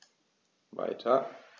Weiter.